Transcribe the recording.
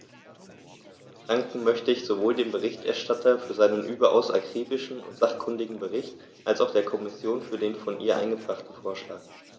Danken möchte ich sowohl dem Berichterstatter für seinen überaus akribischen und sachkundigen Bericht als auch der Kommission für den von ihr eingebrachten Vorschlag.